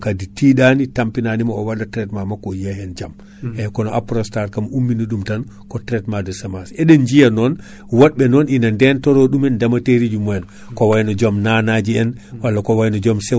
e hewɓe e reemoɓe kutorima Aprostar min mbaɗi ton jilluji waɗama ton tourné ji yiyama dal ko solution mawɗo ko fare nde ganduɗa ndeɗo kala deemowo kaadi kutoriɗo ɗum ene hewi hebde hen sago mum